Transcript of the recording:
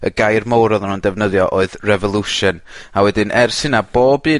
y gair mowr oddon nw'n defnyddio oedd revolution, a wedyn ers hynna bob un